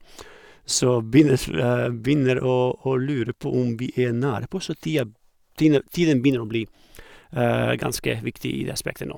Så begynnesl begynner å å lure på om vi er nære på så tida tina tiden begynner å bli ganske viktig i det aspektet nå.